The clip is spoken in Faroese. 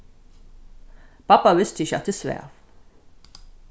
babba visti ikki at eg svav